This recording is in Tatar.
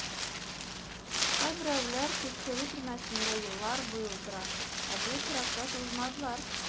Кайберәүләр тикшерү төрмәсендә еллар буе утыра, ә бу очракта сузмадылар.